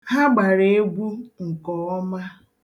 Ha gbara egwu nke ọma.